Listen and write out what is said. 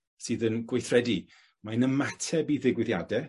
sydd yn gweithredu. Mae'n ymateb i ddigwyddiade